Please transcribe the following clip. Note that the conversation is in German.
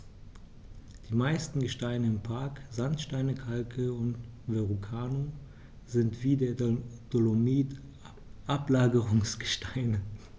Die meisten Gesteine im Park – Sandsteine, Kalke und Verrucano – sind wie der Dolomit Ablagerungsgesteine.